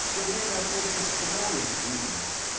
все время только строим жизнь